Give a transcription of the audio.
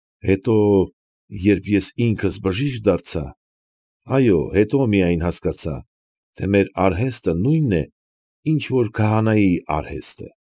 Հետո երբ ես ինքս բժիշկ դարձա, այո, հետո միայն հասկացա, թե մեր արհեստը նույնն է, ինչ որ քահանայի արհեստը։